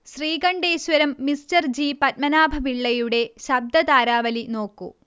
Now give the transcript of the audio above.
Sreekanteswaram mister G പത്മനാഭപിള്ളയുടെ ശബ്ദതാരാവലി നോക്കൂ